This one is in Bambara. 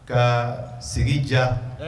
Ka seg ja